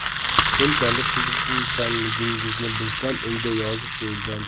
bunchalik qiziquvchanligingizni bilsam uyda yozib qo'yilgan